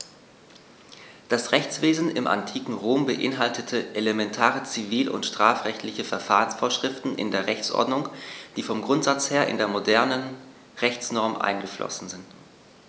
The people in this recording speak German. Das Rechtswesen im antiken Rom beinhaltete elementare zivil- und strafrechtliche Verfahrensvorschriften in der Rechtsordnung, die vom Grundsatz her in die modernen Rechtsnormen eingeflossen sind.